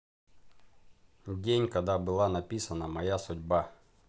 день когда была написана моя судьба